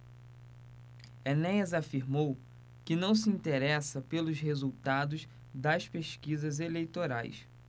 enéas afirmou que não se interessa pelos resultados das pesquisas eleitorais